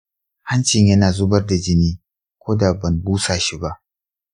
hancin yana zubar da jini ko da ban busa shi ba.